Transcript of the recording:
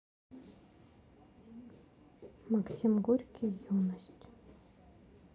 максим горький юность